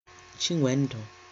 Chinwendu